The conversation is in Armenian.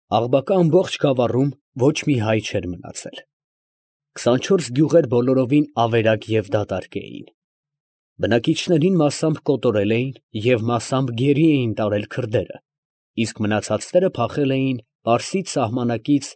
Աղբակա ամբողջ գավառում ոչ մի հայ չէր մնացել. քսանչորս գյուղեր բոլորովին ավերակ և դատարկ էին. բնակիչներին մասամբ կոտորել էին և մասամբ գերի էին տարել քրդերը, իսկ մնացածները փախել էին Պարսից սահմանակից։